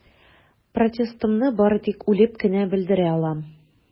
Протестымны бары тик үлеп кенә белдерә алам.